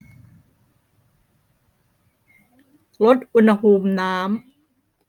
ลดอุณหภูมิน้ำ